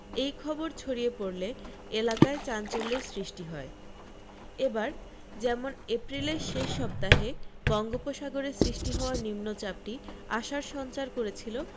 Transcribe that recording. এই খবর ছড়িয়ে পড়লে এলাকায় চাঞ্চল্যের সৃষ্টি হয় এবার যেমন এপ্রিলের শেষ সপ্তাহে বঙ্গোপসাগরে সৃষ্টি হওয়া নিম্নচাপটি আশার সঞ্চার করেছিল